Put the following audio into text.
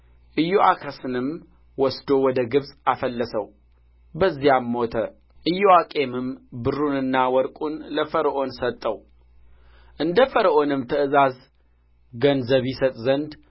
ኢዮአክስንም ወስዶ ወደ ግብጽ አፈለሰው በዚያም ሞተ ኢዮአቄምም ብሩንና ወርቁን ለፈርዖን ሰጠው እንደ ፈርዖንም ትእዛዝ ገንዘብ ይሰጥ ዘንድ